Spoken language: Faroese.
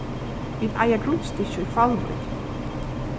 vit eiga grundstykki í hvalvík